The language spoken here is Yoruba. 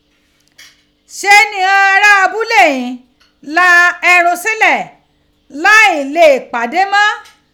Ṣe ni ighan ara abule ghin la ẹrun sílẹ lai lee pa de mọ.